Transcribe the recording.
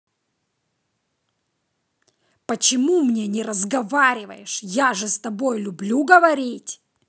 почему мне не разговариваешь я же с тобой люблю говорить